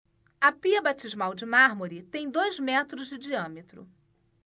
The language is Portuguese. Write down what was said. a pia batismal de mármore tem dois metros de diâmetro